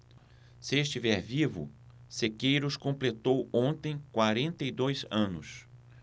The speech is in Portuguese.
se estiver vivo sequeiros completou ontem quarenta e dois anos